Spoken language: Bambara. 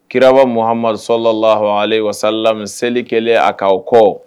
Kiraraba muhamaduso la laha ale wasalami selikɛla a k'aw kɔ